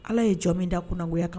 Ala ye jɔ min da kungoya kan